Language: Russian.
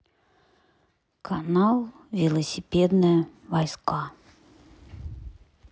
канал велосипедные войска